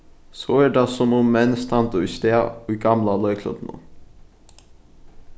so er tað sum um menn standa í stað í gamla leiklutinum